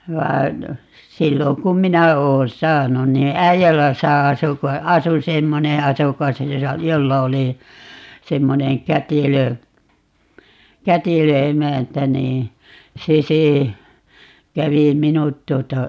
vaan silloin kun minä olen saanut niin Äijälässä asui kun asui semmoinen asukas jossa jolla oli semmoinen kätilö kätilö emäntä niin se se kävi minut tuota